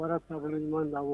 Wara saba ɲuman da